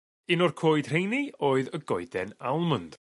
Un o'r coed rheini oedd y goeden almwnd.